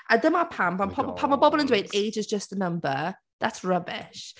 A dyma pam, pan pan mae bobl yn dweud age is just a number, that’s rubbish.